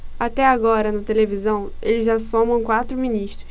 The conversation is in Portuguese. até agora na televisão eles já somam quatro ministros